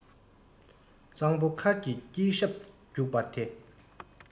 གཙང པོ མཁར གྱི དཀྱིལ ཞབས རྒྱུགས པ དེ